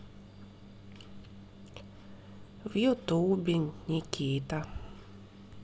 в ютубе никита